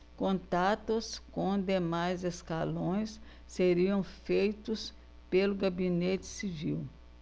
contatos com demais escalões seriam feitos pelo gabinete civil